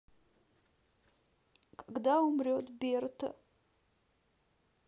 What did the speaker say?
когда умрет берта